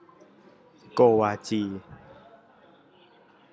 โกวาจี